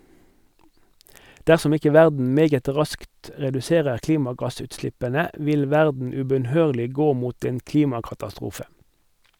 Dersom ikke verden meget raskt reduserer klimagassutslippene vil verden ubønnhørlig gå mot en klimakatastrofe.